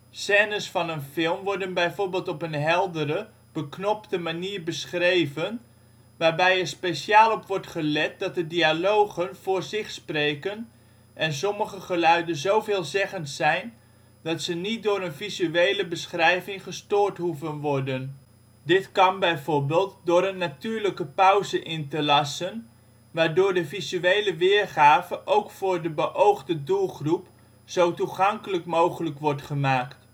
Scènes van een film worden bijvoorbeeld op een heldere, beknopte manier beschreven, waarbij er speciaal op wordt gelet dat de dialogen voor zich spreken en sommige geluiden zo veelzeggend zijn dat ze niet door een visuele beschrijving gestoord hoeven worden. Dit kan bijvoorbeeld door een natuurlijke pauze in te lassen, waardoor de visuele weergave ook voor de beoogde doelgroep zo toegankelijk mogelijk wordt gemaakt